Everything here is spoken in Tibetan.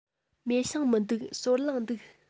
མེ ཤིང མི འདུག སོལ རླངས འདུག